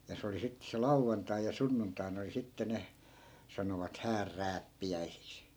ja se oli sitten se lauantai ja sunnuntaina oli sitten ne sanoivat häänrääppiäisiksi